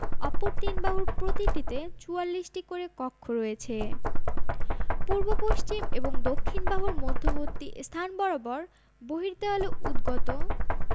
অপর তিন বাহুর প্রতিটিতে ৪৪টি করে কক্ষ রয়েছে পূর্ব পশ্চিম এবং দক্ষিণ বাহুর মধ্যবর্তী স্থান বরাবর বহির্দেওয়ালে উদ্গত